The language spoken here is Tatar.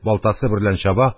Балтасы берлән чаба,